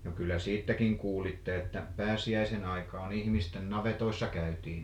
no kyllä siitäkin kuulitte että pääsiäisen aikaan ihmisten navetoissa käytiin